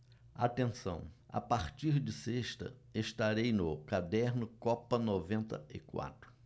atenção a partir de sexta estarei no caderno copa noventa e quatro